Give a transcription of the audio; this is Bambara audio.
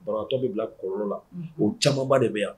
Bantɔ bɛ bila kɔ la o caman de bɛ yan